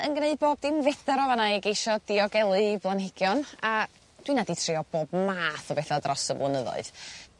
...yn gneud bob dim fedar o fan 'na i geisio diogelu ei blanhigion a dw inna 'di trio bob math o betha dros y blynyddoedd.